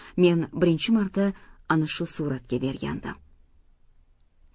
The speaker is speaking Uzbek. men birinchi marta ana shu suratga bergandim